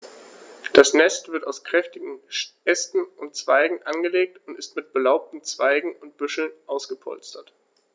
Das Nest wird aus kräftigen Ästen und Zweigen angelegt und mit belaubten Zweigen und Büscheln ausgepolstert.